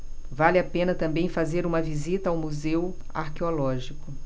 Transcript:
vale a pena também fazer uma visita ao museu arqueológico